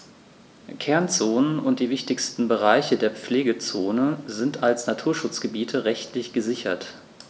Kernzonen und die wichtigsten Bereiche der Pflegezone sind als Naturschutzgebiete rechtlich gesichert.